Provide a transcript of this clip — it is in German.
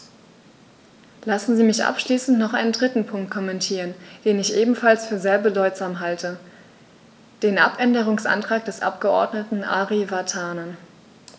Lassen Sie mich abschließend noch einen dritten Punkt kommentieren, den ich ebenfalls für sehr bedeutsam halte: den Abänderungsantrag des Abgeordneten Ari Vatanen.